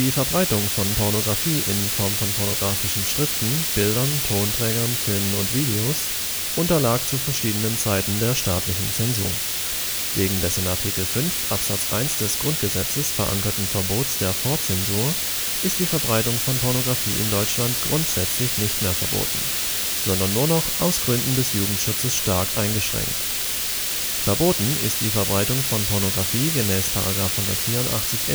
Verbreitung von Pornografie (in Form von pornografischen Schriften, Bildern, Tonträgern, Filmen und Videos) unterlag zu verschiedenen Zeiten der staatlichen Zensur. Wegen des in Art. 5 Abs. 1 GG verankerten Verbots der Vorzensur ist die Verbreitung von Pornografie in Deutschland grundsätzlich nicht mehr verboten, sondern nur noch aus Gründen des Jugendschutzes stark eingeschränkt. Verboten ist die Verbreitung von Pornografie gemäß § 184